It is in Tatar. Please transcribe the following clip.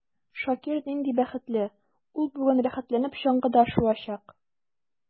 Шакир нинди бәхетле: ул бүген рәхәтләнеп чаңгыда шуачак.